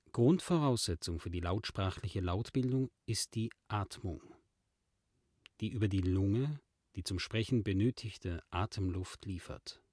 Grundvoraussetzung für die lautsprachliche Lautbildung ist die Atmung, die über die Lunge die zum Sprechen benötigte Atemluft liefert